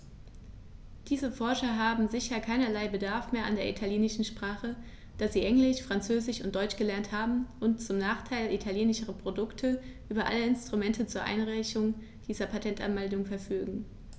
Diese Forscher haben sicher keinerlei Bedarf mehr an der italienischen Sprache, da sie Englisch, Französisch und Deutsch gelernt haben und, zum Nachteil italienischer Produkte, über alle Instrumente zur Einreichung dieser Patentanmeldungen verfügen.